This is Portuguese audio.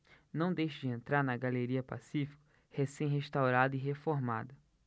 não deixe de entrar na galeria pacífico recém restaurada e reformada